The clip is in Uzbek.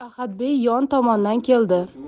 ahadbey yon tomondan keldi